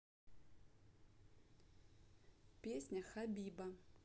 песня хабиба